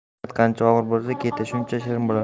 mehnat qancha og'ir bo'lsa keti shuncha shirin bo'lar